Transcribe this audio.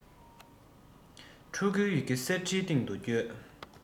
ཕྲུ གུའི ཡི གེ གསེར ཁྲིའི སྟེང དུ སྐྱོལ